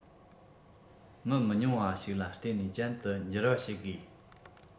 མི མི ཉུང བ ཞིག ལ བརྟེན ནས ཅན དུ འགྱུར བ བྱེད དགོས